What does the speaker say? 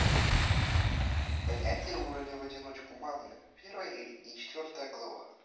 поднятие уровня в одиночку манго первая и четвертая глава